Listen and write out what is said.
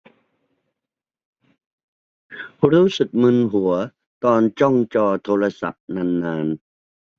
รู้สึกมึนหัวตอนจ้องจอโทรศัพท์นานนาน